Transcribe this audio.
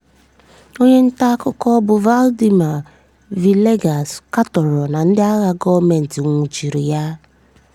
Onye nta akụkọ bụ Vladimir Villegas katọrọ na ndị agha gọọmentị nwụchiri ya: